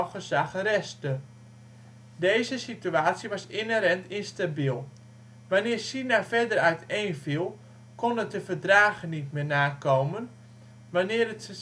gezag restte. Deze situatie was inherent instabiel: wanneer China verder uiteenviel, kon het de verdragen niet meer nakomen; wanneer het